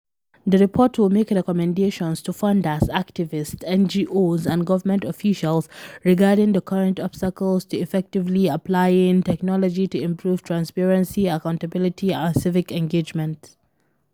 The report will make recommendations to funders, activists, NGOs, and government officials regarding the current obstacles to effectively applying technology to improve transparency, accountability, and civic engagement.